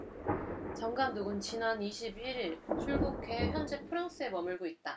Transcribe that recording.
정 감독은 지난 이십 일 일 출국해 현재 프랑스에 머물고 있다